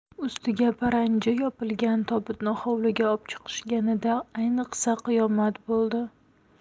ustiga paranji yopilgan tobutni hovliga opchiqishganida ayniqsa qiyomat bo'ldi